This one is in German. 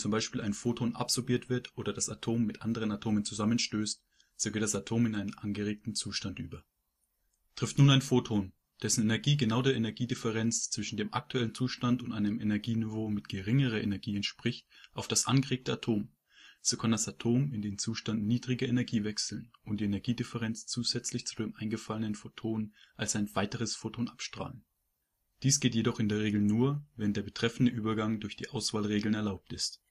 Beispiel ein Photon absorbiert wird oder das Atom mit anderen Atomen zusammenstößt, so geht das Atom in einen angeregten Zustand über. Trifft nun ein Photon, dessen Energie genau der Energiedifferenz zwischen dem aktuellen Zustand und einem Energieniveau mit geringerer Energie entspricht, auf das angeregte Atom, so kann das Atom in den Zustand niedriger Energie wechseln und die Energiedifferenz zusätzlich zu dem eingefallenen Photon als ein weiteres Photon abstrahlen. Dies geht jedoch in der Regel nur, wenn der betreffende Übergang durch die Auswahlregeln erlaubt ist